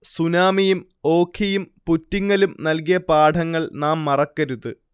സുനാമിയും, ഓഖിയും, പുറ്റിങ്ങലും നൽകിയ പാഠങ്ങൾ നാം മറക്കരുത്